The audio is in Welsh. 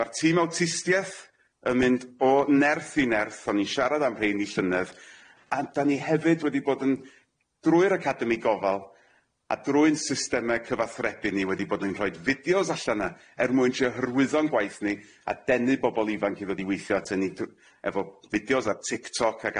Ma'r tîm awtistieth yn mynd o nerth i nerth o'n i'n siarad am rheini llynedd a 'dan ni hefyd wedi bod yn drwy'r academi gofal a drwy'n systeme cyfathrebu ni wedi bod yn rhoid fideos allan yna er mwyn trio hyrwyddo'n gwaith ni a denu bobol ifanc i ddod i weithio atyn ni dw- efo fideos ar TikTok ag ati ag ati.